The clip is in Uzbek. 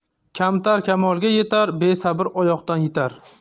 kamtar kamolga yetar besabr oyoqdan yitar